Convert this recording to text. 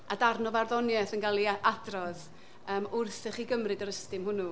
A darn o farddoniaeth yn gael ei a- adrodd... m-hm. ...wrth i chi gymryd yr ystym hwnnw.